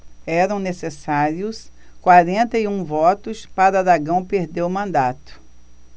eram necessários quarenta e um votos para aragão perder o mandato